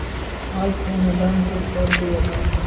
alp enadan tulpor biyadan